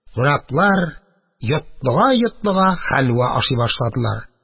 Кунаклар, йотлыга-йотлыга, хәлвә ашый башладылар.